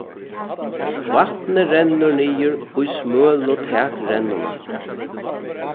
vatnið rennur niður í smølu takrennuna